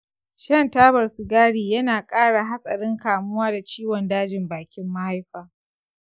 shan tabar sigari yana kara hatsarin kamuwa da ciwon dajin bakin mahaifa.